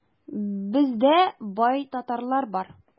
Бездә бай татарлар бар.